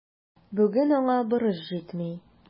Бүген аңа борыч җитми.